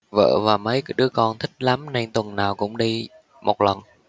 vợ và mấy đứa con thích lắm nên tuần nào cũng đi một lần